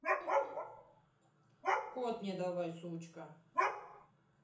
кот мне давай сучка